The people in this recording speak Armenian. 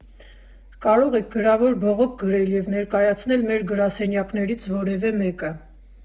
Կարող եք գրավոր բողոք գրել և ներկայացնել մեր գրասենյակներից որևէ մեկը…